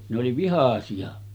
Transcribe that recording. ne oli vihaisia